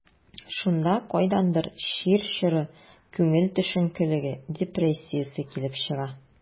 Шунда кайдандыр чир чоры, күңел төшенкелеге, депрессиясе килеп чыга.